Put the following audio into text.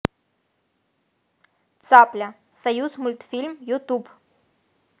цапля союзмультфильм ютуб